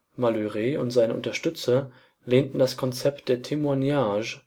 Malhuret und seine Unterstützer lehnten das Konzept der témoignage